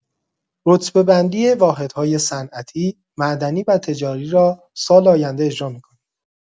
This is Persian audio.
رتبه‌بندی واحدهای صنعتی، معدنی و تجاری را سال آینده اجرا می‌کنیم.